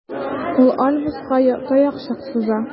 Ул Альбуска таякчык суза.